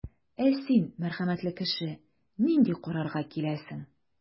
Ә син, мәрхәмәтле кеше, нинди карарга киләсең?